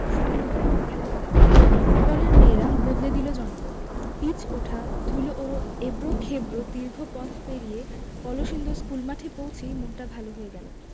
০২ খেলাধুলা ফুটবলের মেয়েরা বদলে দিল জনপদ পিচ ওঠা ধুলো ওড় এবড়োখেবড়ো দীর্ঘ পথ পেরিয়ে কলসিন্দুর স্কুলমাঠে পৌঁছেই মনটা ভালো হয়ে গেল